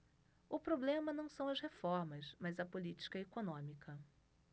o problema não são as reformas mas a política econômica